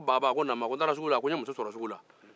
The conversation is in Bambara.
a ko baa n ye muso sɔrɔ sugu la